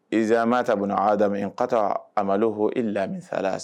Zma ta bon a ka taa amadu h i lamisala